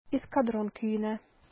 "эскадрон" көенә.